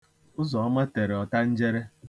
Ụzọma tere ọtanjere.